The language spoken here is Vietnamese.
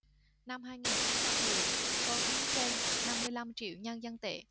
năm hai nghìn không trăm mười cô kiếm trên năm mươi lăm triệu nhân dân tệ